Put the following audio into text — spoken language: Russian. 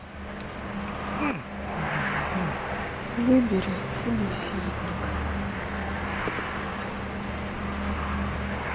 выбери собеседника